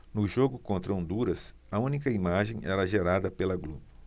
no jogo contra honduras a única imagem era gerada pela globo